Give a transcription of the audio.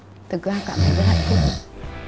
thực ra cảm thấy rất hạnh phúc